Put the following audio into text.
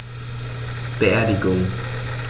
Beerdigung